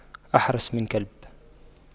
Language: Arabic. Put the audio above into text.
أحرس من كلب